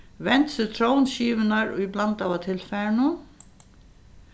vend sitrónskivurnar í blandaða tilfarinum